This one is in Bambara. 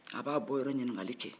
a b'a bɔ yɔrɔ ɲininkali kɛ